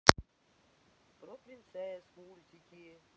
про принцесс мультики